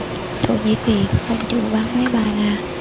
thổ nhĩ kỳ không chủ ý bắn máy bay nga